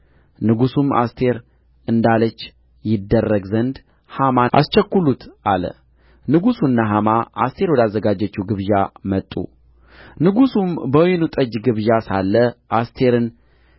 ንጉሡም አስቴር እንዳለች ይደረግ ዘንድ ሐማን አስቸኵሉት አለ ንጉሡና ሐማ አስቴር ወዳዘጋጀችው ግብዣ መጡ ንጉሡም በወይኑ ጠጅ ግብዣ ሳለ አስቴርን